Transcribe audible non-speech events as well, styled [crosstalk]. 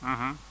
[hesitation] [hesitation]